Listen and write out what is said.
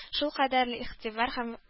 Шул кадәрле игътибар һәм